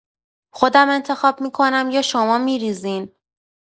خودم انتخاب کنم یا شما می‌ریزین؟